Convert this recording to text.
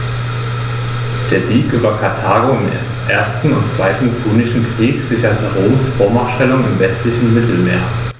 Der Sieg über Karthago im 1. und 2. Punischen Krieg sicherte Roms Vormachtstellung im westlichen Mittelmeer.